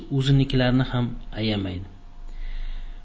uzinikilarni xam ayamaydi